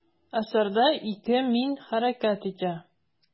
Әсәрдә ике «мин» хәрәкәт итә.